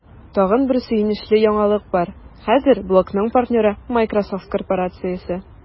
Тагын бер сөенечле яңалык бар: хәзер блогның партнеры – Miсrosoft корпорациясе!